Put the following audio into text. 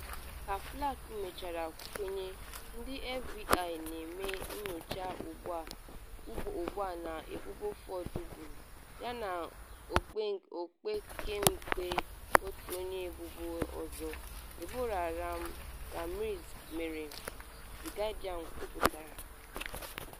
Ka Flake mechara nkwanye, ndị FBI na-eme nyocha ugbu a n’ebubo Ford boro, yana opekempe otu onye ebubo ọzọ, Deborah Ramirez mere, The Guardian kwuputara.